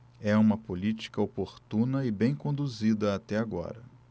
é uma política oportuna e bem conduzida até agora